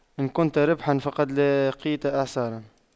إن كنت ريحا فقد لاقيت إعصارا